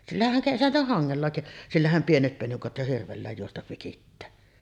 sillähän - jo hangella sillähän pienet penikat jo hirvellä juosta vikittää